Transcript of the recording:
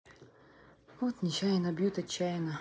от нечаянно бьют отчаянно